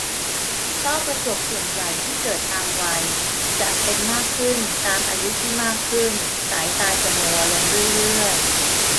ต้อกระจกส่วนใหญ่ที่เกิดตามวัยจะเป็นมากขึ้นตามอายุที่มากขึ้นสายตาจะมัวลงเรื่อยเรื่อย